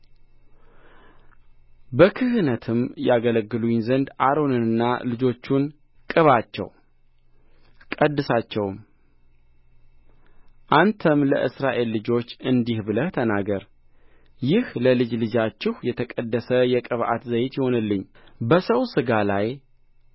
በክህነትም ያገለግሉኝ ዘንድ አሮንንና ልጆቹን ቅባቸው ቀድሳቸውም አንተም ለእስራኤል ልጆች እንዲህ ብለህ ተናገር ይህ ለልጅ ልጃችሁ የተቀደሰ የቅብዓት ዘይት ይሁንልኝ በሰው ሥጋ ላይ